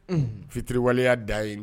Hun fitiriwaleya dan yen